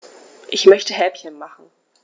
Ich möchte Häppchen machen.